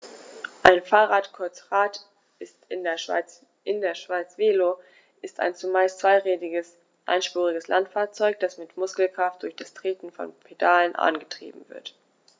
Ein Fahrrad, kurz Rad, in der Schweiz Velo, ist ein zumeist zweirädriges einspuriges Landfahrzeug, das mit Muskelkraft durch das Treten von Pedalen angetrieben wird.